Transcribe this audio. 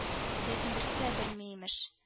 Ләкин берсе дә белми, имеш